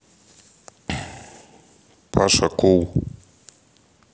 паша кул